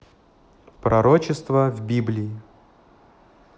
пророчество в библии